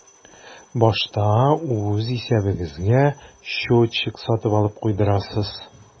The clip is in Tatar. Башта үз исәбегезгә счетчик сатып алып куйдырасыз.